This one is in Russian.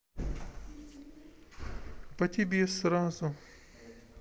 по тебе сразу